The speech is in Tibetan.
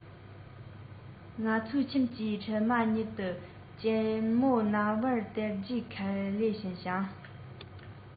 ང ཚོའི ཁྱིམ གྱིས འཕྲལ མ ཉིད དུ གཅེན མོ མནའ མར སྟེར རྒྱུའི ཁས ལེན བྱས ཤིང